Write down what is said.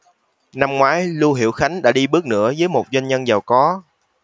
năm ngoái lưu hiểu khánh đã đi bước nữa với một doanh nhân giàu có